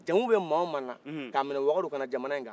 jaamu bɛ mɔgɔ wo mɔgɔ la kaminɛ wagadu kana jamana nin kan